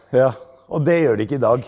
ja og det gjør det ikke i dag.